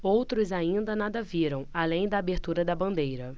outros ainda nada viram além da abertura da bandeira